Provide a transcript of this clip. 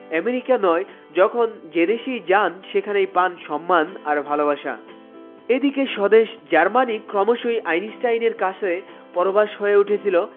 America নয় যখন যে দেশেই যান সেখানেই পান সম্মান আর ভালবাসা এদিকে স্বদেশ জার্মানি ক্রমশই আইনস্টাইন এর কাছে পরবাস হয়ে উঠেছিল